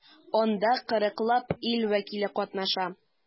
Анда 40 лап ил вәкиле катнаша.